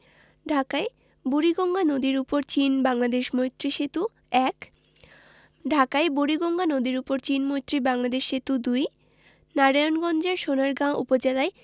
ঢাকায় বুড়িগঙ্গা নদীর উপর চীন বাংলাদেশ মৈত্রী সেতু ১ ঢাকায় বুড়িগঙ্গা নদীর উপর চীন বাংলাদেশ মৈত্রী সেতু ২ নারায়ণগঞ্জের সোনারগাঁও উপজেলায়